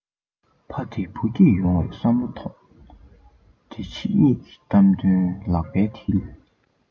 ཕ བདེ བུ སྐྱིད ཡོང བའི བསམ བློ ཐོང འདི ཕྱི གཉིས ཀྱི གཏམ དོན ལག པའི མཐིལ